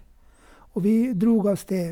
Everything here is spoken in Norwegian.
Og vi dro av sted.